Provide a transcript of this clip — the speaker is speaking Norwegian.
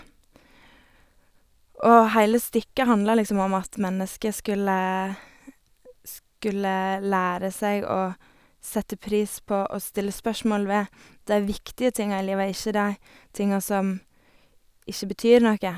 Og heile stykket handlet liksom om at mennesket skulle skulle lære seg å sette pris på og stille spørsmål ved de viktige tinga i livet og ikke de tinga som ikke betyr noe.